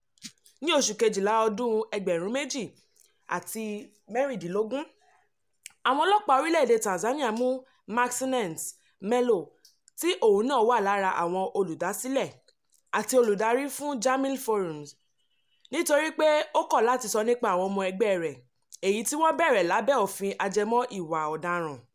Ní oṣù Kejìlá ọdún 2016,àwọn ọlọ́pàá orílẹ̀ èdè Tanzania mú Maxence Melo, tí òun náà wà lára àwọn olùdásílẹ̀, àti olùdarí fún Jamil Forums, nítorí pé ó kọ̀ láti sọ nípa àwọn ọmọ ẹgbẹ́ rẹ̀, èyí tí wọ́n béèrè lábẹ́ òfin ajẹmọ́ Ìwà Ọ̀daràn.